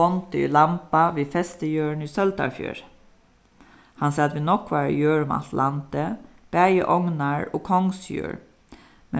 bóndi í lamba við festijørðini í søldarfjørði hann sat við nógvari jørð um alt landið bæði ognar- og kongsjørð